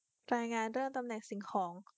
รายงานเรื่องตำแหน่งสิ่งของ